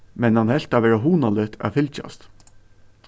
men hann helt tað vera hugnaligt at fylgjast